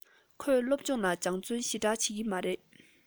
ཁོས སློབ སྦྱོང ལ སྦྱོང བརྩོན ཞེ དྲགས བྱེད ཀྱི མ རེད